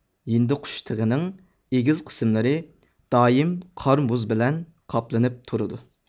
ھىندىقۇش تېغىنىڭ ئېگىز قىسىملىرى دائىم قار مۇز بىلەن قاپلىنىپ تۇرىدۇ